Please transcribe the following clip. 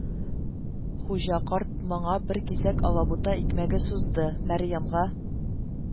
Хуҗа карт моңа бер кисәк алабута икмәге сузды, Мәрьямгә: